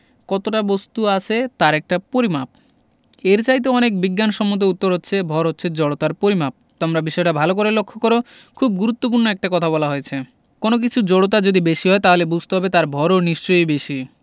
কতটা বস্তু আছে তার একটা পরিমাপ এর চাইতে অনেক বিজ্ঞানসম্মত উত্তর হচ্ছে ভর হচ্ছে জড়তার পরিমাপ তোমরা বিষয়টা ভালো করে লক্ষ করো খুব গুরুত্বপূর্ণ একটা কথা বলা হয়েছে কোনো কিছুর জড়তা যদি বেশি হয় তাহলে বুঝতে হবে তার ভরও নিশ্চয়ই বেশি